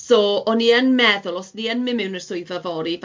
so o'n i yn meddwl os ni yn mynd mewn i'r swyddfa fory,